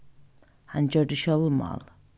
hann gjørdi sjálvmál